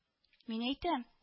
- мин әйтәм